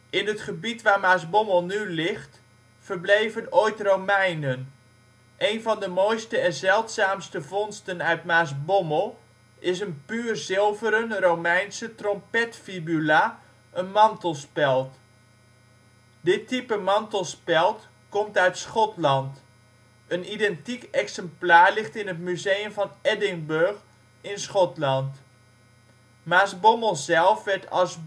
In het gebied waar Maasbommel nu ligt, verbleven ooit Romeinen. Een van de mooiste en zeldzaamste vondsten uit Maasbommel is een puur zilveren Romeinse trompetfibula (mantelspeld). Dit type mantelspeld komt uit Schotland. Een identiek exemplaar ligt in het museum van Edinburgh, Schotland. Maasbommel zelf werd als